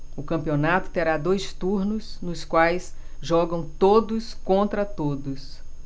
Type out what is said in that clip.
o campeonato terá dois turnos nos quais jogam todos contra todos